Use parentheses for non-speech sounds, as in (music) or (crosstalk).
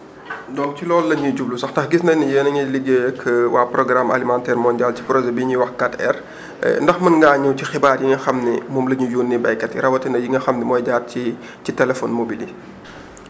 donc ci loolu la ñuy jublu sax ndax gis nañu ne yéen a ngi liggéey ak (hesitation) waa programme alimentaire mondial ci ptojet bii ñuy wax 4R (breath) ndax mën ngaa ñëw ci xibaar yi nga xam ni moom la ñuy yónnee béykat yi rawatina yi nga xam ni mooy jaar ci (breath) ci téléphones mobiles yi